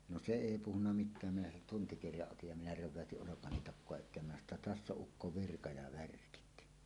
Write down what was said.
no se ei puhunut mitään minä sen tuntikirjan otin ja minä reväytin olkani takaa eteen minä sanoin jotta tässä on ukko virka ja värkit